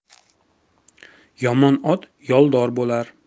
yomon ot yoldor bolar